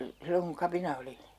silloin kun kapina oli